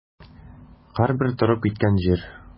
Һәрбер торып киткән җир.